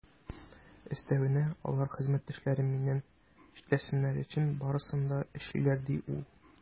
Өстәвенә, алар хезмәттәшләрем миннән читләшсеннәр өчен барысын да эшлиләр, - ди ул.